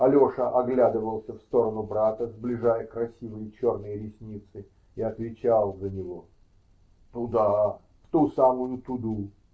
Алеша оглядывался в сторону брата, сближая красивые черные ресницы, и отвечал за него: -- Туда. В ту самую туду.